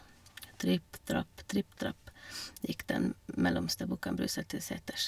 Tripp trapp, tripp trapp, gikk den mellomste bukken Bruse til seters.